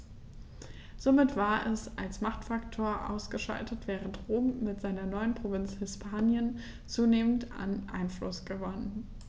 Damit war es als Machtfaktor ausgeschaltet, während Rom mit seiner neuen Provinz Hispanien zunehmend an Einfluss gewann.